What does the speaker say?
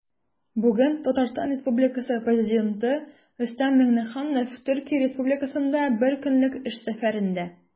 Бүген Татарстан Республикасы Президенты Рөстәм Миңнеханов Төркия Республикасында бер көнлек эш сәфәрендә.